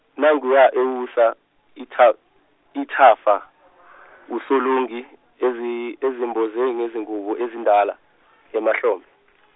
nanguya ewusa itha ithafa uSolongi ezi ezimboze ngezingubo ezindala, emahlombe.